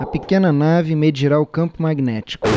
a pequena nave medirá o campo magnético